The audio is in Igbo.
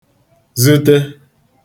zute